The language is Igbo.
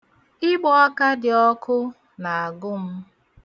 Ịgbọọka dị ọkụ na-agụ m.